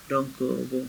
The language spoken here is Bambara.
Don ko